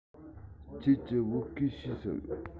ཁྱེད ཀྱིས བོད སྐད ཤེས སམ